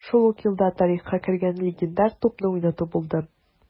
Шул ук елда тарихка кергән легендар тупны уйнату булды: